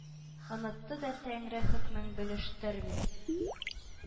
Онытты да тәңре хөкмен, белештерми,